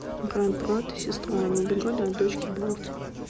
брат брат и сестра они убегали от дочки балди